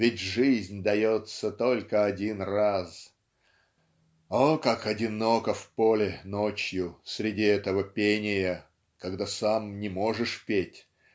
ведь жизнь дается только один раз!. О как одиноко в поле ночью среди этого пения когда сам не можешь петь